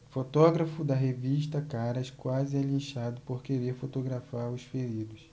fotógrafo da revista caras quase é linchado por querer fotografar os feridos